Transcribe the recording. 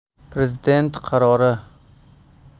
prezident qarori